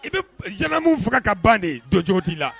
I bɛ zmu faga ka ban de dɔj' la